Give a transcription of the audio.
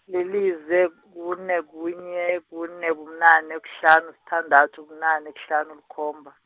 lilize , kune, kunye, kune, kubunane, kuhlanu, sithandathu, kunane, kuhlanu, likhomba.